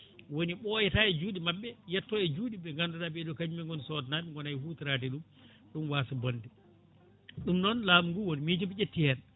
woni ɓooyata e juuɗe maɓɓe yetto e juuɗe ɓe ganduɗa ɓeeɗo kañumen goni sodanaɓe gona e hutorade ɗum ɗum wasa bonde ɗum noon laamu ngu won mijo ɓe ƴetti hen